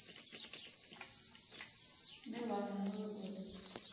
милана новый год